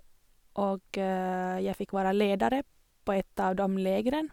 Og jeg fikk være leder på ett av dom lägren.